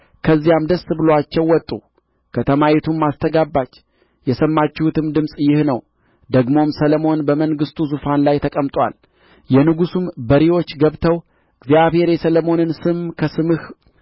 ከዚያም ደስ ብሎአቸው ወጡ ከተማይቱም አስተጋባች የሰማችሁትም ድምፅ ይህ ነው ደግሞም ሰሎሞን በመንግሥቱ ዙፋን ላይ ተቀምጦአል የንጉሡም ባሪያዎች ገብተው እግዚአብሔር የሰሎሞንን ስም ከስምህ